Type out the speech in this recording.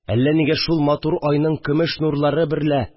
Әллә нигә шул матур айның көмеш нурлары берлә